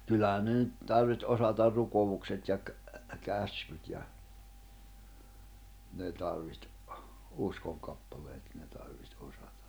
kyllähän ne nyt tarvitsi osata rukoukset ja - käskyt ja ne tarvitsi uskonkappaleet ne tarvitsi osata